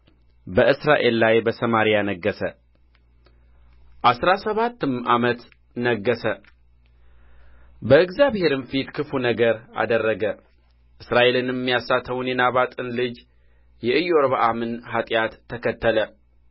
በእስራኤል ላይ በሰማርያ ነገሠ አሥራ ሰባትም ዓመት ነገሠ በእግዚአብሔርም ፊት ክፉ ነገር አደረገ እስራኤልንም ያሳተውን የናባጥን ልጅ የኢዮርብዓምን ኃጢአት ተከተለ